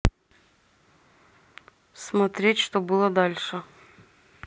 смотреть что было дальше